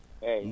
eeyi